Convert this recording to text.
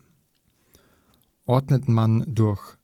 Ordnet man durch